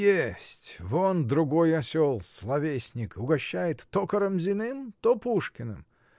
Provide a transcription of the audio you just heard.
— Есть: вон другой осел, словесник, угощает их то Карамзиным, то Пушкиным.